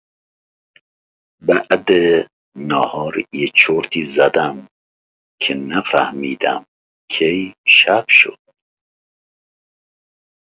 بعد ناهار یه چرتی زدم که نفهمیدم کی شب شد!